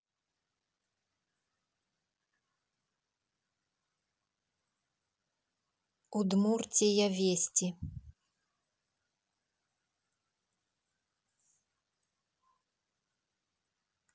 удмуртия вести